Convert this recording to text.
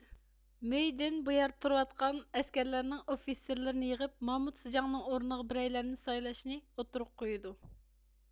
مۆيدىن بۇيەردە تۇرۇۋاتقان ئەسكەرلەرنىڭ ئوفىتسېرلىرىنى يىغىپ مامۇت سىجاڭنىڭ ئورنىغا بىرەيلەننى سايلاشنى ئوتتۇرىغا قويىدۇ